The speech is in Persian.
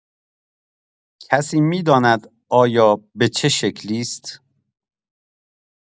کسی می‌داند آیا به چه شکلی است؟